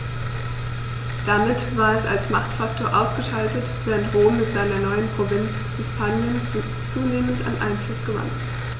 Damit war es als Machtfaktor ausgeschaltet, während Rom mit seiner neuen Provinz Hispanien zunehmend an Einfluss gewann.